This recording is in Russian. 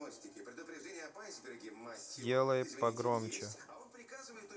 сделай погромче